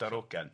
darogan.